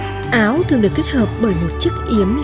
áo thường được kết hợp bởi một chiếc yếm làm